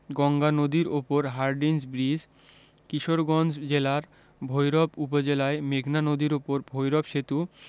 গঙ্গা নদীর উপর Hardinge bridge Kishoreganj জেলার ভৈরব উপজেলায় মেঘনা নদীর উপর ভৈরব সেতু